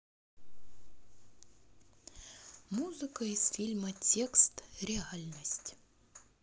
музыка из фильма текст реальность